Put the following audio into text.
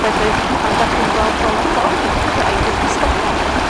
Felly, pan 'dach chi'n gweld gola' coch, rhaid i chi stopio.